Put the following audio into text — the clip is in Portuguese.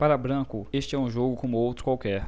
para branco este é um jogo como outro qualquer